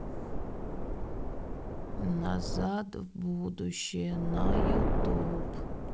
назад в будущее ютуб